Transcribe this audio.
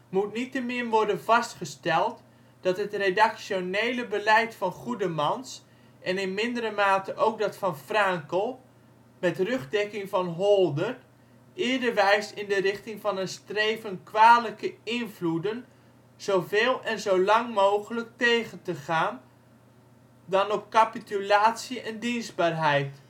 moet niettemin worden vastgesteld dat het redactionele beleid van Goedemans en in mindere mate ook dat van Fraenkel, met rugdekking van Holdert, eerder wijst in de richting van een streven kwalijke invloeden zoveel en zolang mogelijk tegen te gaan dan op capitulatie en dienstbaarheid